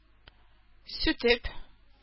Сүтеп